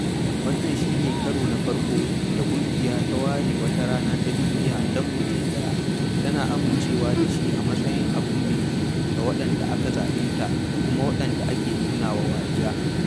Wannan shi ne karo na farko da ƙungiyar ta ware wata rana ta duniya don mutum ɗaya, tana amincewa da shi a matsayin abin bege ga waɗanda aka zalunta da kuma waɗanda ake nuna wa wariya.